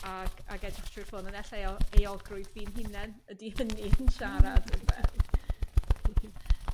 ag ag edrych trw'r ffôn on' elle euo- euogrwydd fi'n hunen ydy hynny yn siarad. ynde?